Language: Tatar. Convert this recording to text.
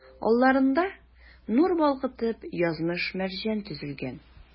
Алларыңда, нур балкытып, язмыш-мәрҗән тезелгән.